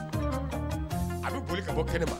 A bi boli ka bɔ kɛnɛ ma